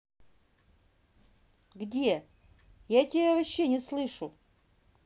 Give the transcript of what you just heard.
где я тебя вообще не слышу